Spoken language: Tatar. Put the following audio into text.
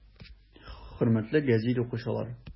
Хөрмәтле гәзит укучылар!